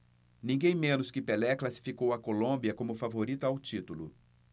ninguém menos que pelé classificou a colômbia como favorita ao título